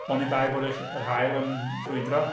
Oni bai bod y ll- yr haul yn ffrwydro.